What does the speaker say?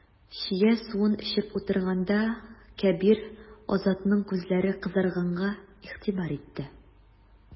Чия суын эчеп утырганда, Кәбир Азатның күзләре кызарганга игътибар итте.